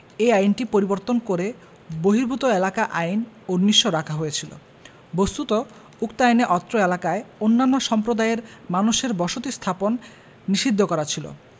ঐ আইনটি পরিবর্তন করে বহির্ভূত এলাকা আইন ১৯০০ রাখা হয়েছিল বস্তুত উক্ত আইনে অত্র এলাকায় অন্যান্য সম্প্রদায়ের মানুষের বসতী স্থাপন নিষিধ্ধ করা ছিল